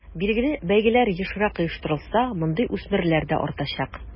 Билгеле, бәйгеләр ешрак оештырылса, мондый үсмерләр дә артачак.